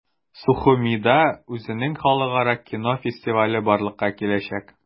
Сухумида үзенең халыкара кино фестивале барлыкка киләчәк.